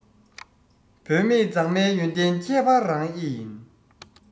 བུད མེད མཛངས མའི ཡོན ཏན ཁྱད པར རང ཨེ ཡིན